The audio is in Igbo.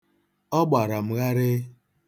Ọ gbara m gharịị